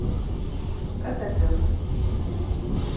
котопес